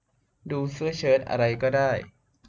ดูเสื้อเชิร์ตอะไรก็ได้